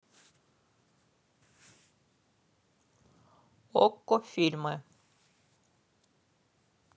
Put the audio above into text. окко фильмы